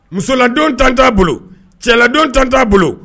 Musoladon tan t'a bolo cɛlaladon tan t'a bolo